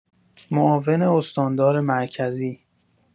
معاون استاندار مرکزی